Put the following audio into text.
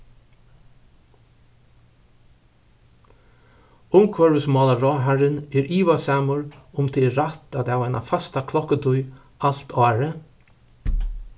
umhvørvismálaráðharrin er ivasamur um tað er rætt at hava eina fasta klokkutíð alt árið